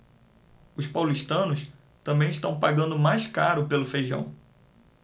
os paulistanos também estão pagando mais caro pelo feijão